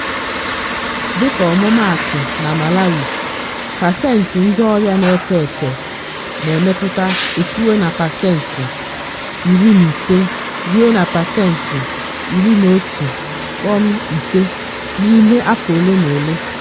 Dịka ọmụmaatụ, na Malawi, pasentị ndị ọrịa na-efe efe na-emetụta esiwo na pasent 15 ruo 11.5% n'ime afọ ole na ole.